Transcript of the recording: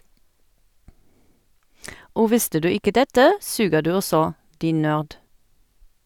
Og visste du ikke dette, suger du også, din nørd!